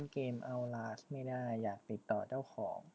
เล่นเกมเอ้าลาสไม่ได้อยากติดต่อเจ้าของ